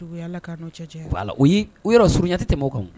Cɛ u y yɔrɔ surunyatɛ tɛ kan